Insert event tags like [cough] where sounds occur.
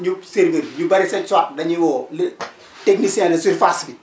ñu serveur bi ñu bëri seen soit da ñuy woo [noise] le technicien de surface bi